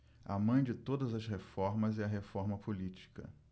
a mãe de todas as reformas é a reforma política